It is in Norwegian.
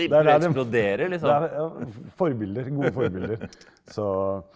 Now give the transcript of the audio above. det er der dem forbilder gode forbilder så.